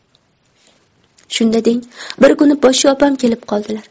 shunda deng bir kuni poshsha opam kelib qoldilar